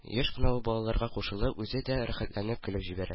Еш кына ул, балаларга кушылып, үзе дә рәхәтләнеп көлеп җибәрә.